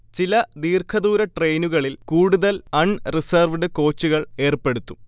ചില ദീർഘദൂര ട്രെയിനുകളിൽ കൂടുതൽ അൺ റിസർവ്ഡ് കോച്ചുകൾ ഏർപ്പെടുത്തും